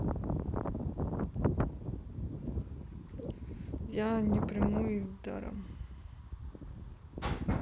я не приму и даром